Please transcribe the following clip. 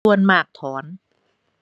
ส่วนมากถอน